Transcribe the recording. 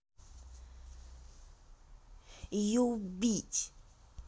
ее убить